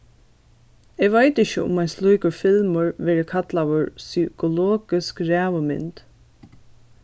eg veit ikki um ein slíkur filmur verður kallaður psykologisk ræðumynd